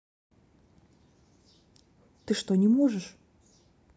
ты что не можешь